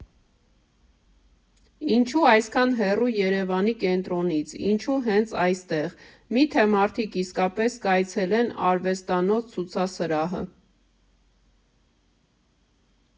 Ինչո՞ւ այսքան հեռու Երևանի կենտրոնից, ինչո՞ւ հենց այստեղ, մի՞թե մարդիկ իսկապես կայցելեն արվեստանոց֊ցուցասրահը։